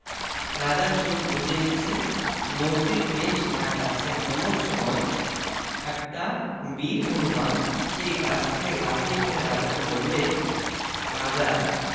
রাজার চোখ বুজে এসেছে মন্ত্রীর বেশ নাক ডাকছে এমন সময় একটা বীর হনুমান সেই গাছ থেকে লাফিয়ে পড়ে রাজাকে বললে রাজা